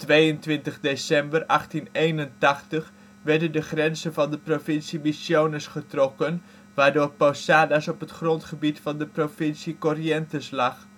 22 december 1881 werden de grenzen van de provincie Misiones getrokken, waardoor Posadas op het grondgebied van de provincie Corrientes lag